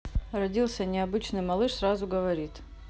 родился необычный малыш сразу говорит